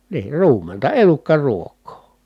niin ruumenta elukkaruokaa